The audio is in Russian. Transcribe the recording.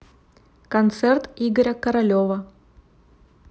концерт игоря королева